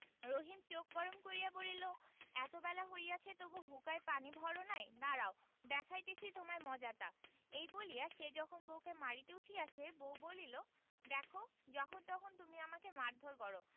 রহিম চোখ গরম করিয়া বলিল এত বেলা হইয়াছে তবু হুঁকায় পানির ভর নাই দাঁড়াও দেখাইতেছি তোমায় মজাটা এই বলিয়া সে যখন বউকে মারিতে উঠিয়াছে বউ বলিল দেখ যখনতখন তুমি আমাকে মারধর কর